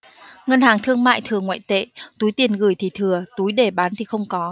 ngân hàng thương mại thừa ngoại tệ túi tiền gửi thì thừa túi để bán thì không có